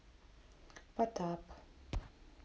потап